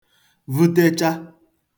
vutecha